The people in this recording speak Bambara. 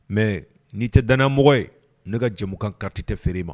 Mɛ n'i tɛ danmɔgɔ ye ne ka jamumukankanti tɛ feere ma